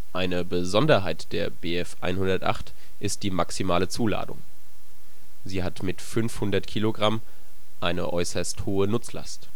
Eine Besonderheit der Bf 108 ist die maximale Zuladung: Sie hat mit 500 kg eine äußerst hohe Nutzlast